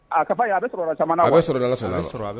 A